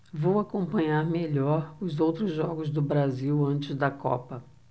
vou acompanhar melhor os outros jogos do brasil antes da copa